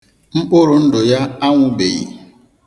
Mkpụrụndụ ya anwụbeghị